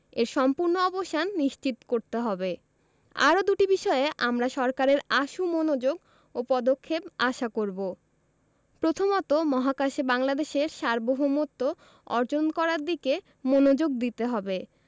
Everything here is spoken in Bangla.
এর সম্পূর্ণ অবসান নিশ্চিত করতে হবে আরও দুটি বিষয়ে আমরা সরকারের আশু মনোযোগ ও পদক্ষেপ আশা করব প্রথমত মহাকাশে বাংলাদেশের সার্বভৌমত্ব অর্জন করার দিকে মনোযোগ দিতে হবে